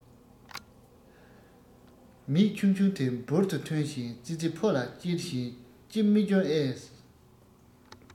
མིག ཆུང ཆུང དེ འབུར དུ ཐོན བཞིན ཙི ཙི ཕོ ལ ཅེར བཞིན ཅི མི སྐྱོན ཨེ